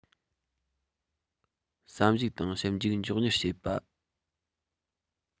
བསམ གཞིགས དང ཞིབ འཇུག མགྱོགས མྱུར བྱེད པ